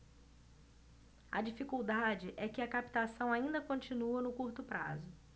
a dificuldade é que a captação ainda continua no curto prazo